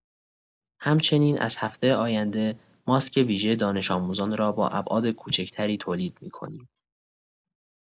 همچنین از هفته آینده ماسک ویژه دانش‌آموزان را با ابعاد کوچک‌تری تولید می‌کنیم.